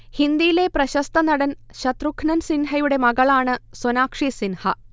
ഹിന്ദിയിലെ പ്രശസ്ത നടൻ ശത്രുഘ്നൻ സിൻഹയുടെ മകളാണ് സൊനാക്ഷി സിൻഹ